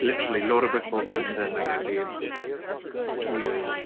Literally Laura Whitmore comes in like every two years.